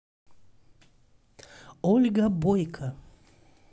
ольга бойко